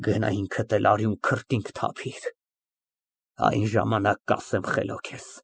Գնա ինքդ էլ արյուն քրտինք թափիր, այն ժամանակ կասեմ խելոք ես։